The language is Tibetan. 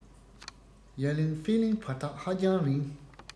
ཡ གླིང ཧྥེ གླིང བར ཐག ཧ ཅང རིང